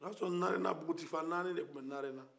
o y'a sɔrɔ narena bugutifa naani de tun bɛ narena